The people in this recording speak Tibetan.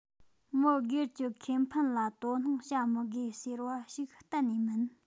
མི སྒེར གྱི ཁེ ཕན ལ དོ སྣང བྱ མི དགོས ཟེར བ ཞིག གཏན ནས མིན